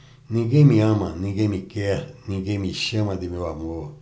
ninguém me ama ninguém me quer ninguém me chama de meu amor